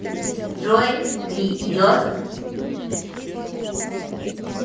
джой ты идет